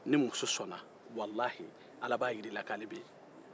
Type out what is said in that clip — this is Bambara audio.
ni muso sɔnna walahi ala b'a jira i la k'ale bɛ yen